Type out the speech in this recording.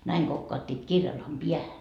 näin kokauttivat kirjallaan päähän